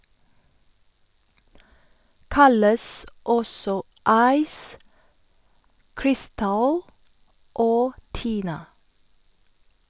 Kalles også ice, krystall og tina.